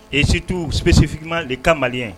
Et surtout spécifiquement le cas malien